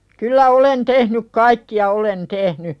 kyllä olen tehnyt kaikkia olen tehnyt